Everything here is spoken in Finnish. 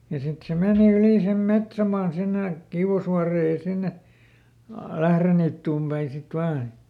ja sitten se meni yli sen metsämaan sinne Kiuasvuoreen ja sinne - Lähdeniittyyn päin sitten vain